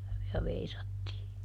ja veisattiin